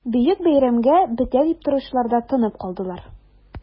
Бөек бәйрәмгә бетә дип торучылар да тынып калдылар...